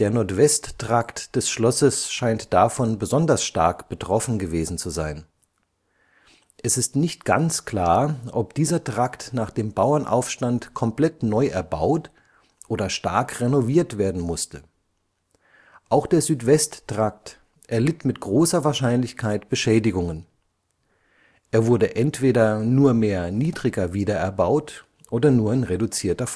Nordwesttrakt des Schlosses scheint davon besonders stark betroffen gewesen zu sein. Es ist nicht ganz klar, ob dieser Trakt nach dem Bauernaufstand komplett neu erbaut oder stark renoviert werden musste. Auch der Südwesttrakt erlitt mit großer Wahrscheinlichkeit Beschädigungen. Er wurde entweder nur mehr niedriger wiedererbaut oder in nur reduzierter